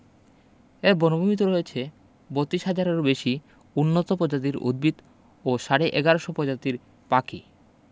এর বনভূমিতে রয়েছে ৩২ হাজারেরও বেশি উন্নত পজাতির উদ্ভিত ও সাড়ে ১১শ পজাতির পাখি